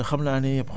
ah dagg na